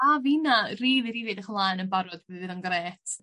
A fina rili rili edrych ymlaen yn barod mi fydd o'n grêt.